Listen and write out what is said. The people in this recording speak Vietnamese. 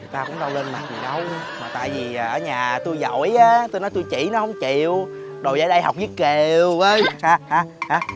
tao cũng đâu lên mặt gì đâu mà tại vì ở nhà tui giỏi ớ tui nói tui chỉ nó không chịu đòi ra đây học với kiều hả hả hả